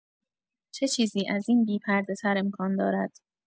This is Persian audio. چه چیزی از این بی‌پرده‌تر امکان دارد؟